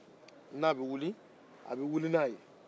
n'a bɛ wuli a bɛ wuli n'a ye